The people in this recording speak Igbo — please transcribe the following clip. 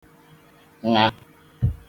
ṅā